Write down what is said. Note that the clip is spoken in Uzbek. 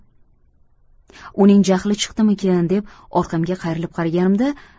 uning jahli chiqdimikin deb orqamga qayrilib qaraganimda